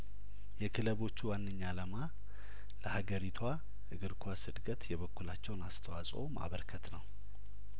የክለቦቹ ዋነኛ አላማ ለሀገሪቱዋ እግር ኳስ እድገት የበኩላቸውን አስተዋጽኦ ማበርከት ነው